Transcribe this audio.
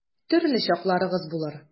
Төрле чакларыгыз булыр.